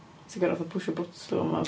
Ti'n gorfod fatha pwsio botwm a...